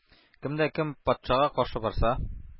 — кем дә кем патшага каршы барса,